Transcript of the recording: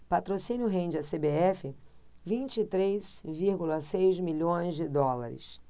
patrocínio rende à cbf vinte e três vírgula seis milhões de dólares